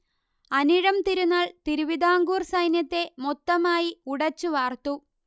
അനിഴം തിരുനാൾ തിരുവിതാംകൂർ സൈന്യത്തെ മൊത്തമായി ഉടച്ചു വാർത്തു